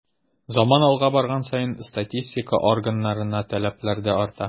Заман алга барган саен статистика органнарына таләпләр дә арта.